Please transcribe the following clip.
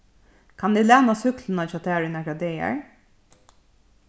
kann eg læna súkkluna hjá tær í nakrar dagar